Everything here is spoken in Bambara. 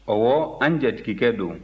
ɔwɔ an jatigikɛ don